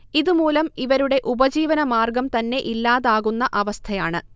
ഇതുമൂലം ഇവരുടെ ഉപജീവനമാർഗം തന്നെ ഇല്ലാതാകുന്ന അവസഥയാണ്